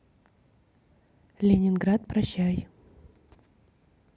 ленинград прощай